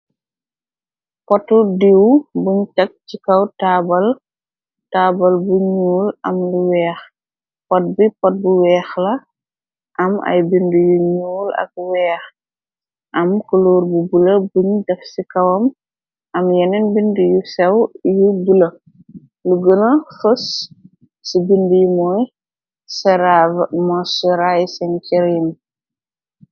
Potu diiw buñ tagg ci kaw taabal bu ñuul am lu weex pot bi pot bu weex la am ay bind yu ñuul ak weex am kuluur bu bula buñ daf ci kawam am yeneen bind yu sew yu bula lu gëna fos ci bindi yi mooy serave masuraisincirim.